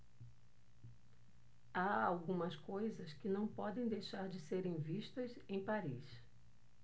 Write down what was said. há algumas coisas que não podem deixar de serem vistas em paris